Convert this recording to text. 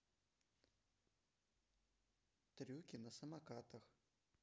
трюки на самокатах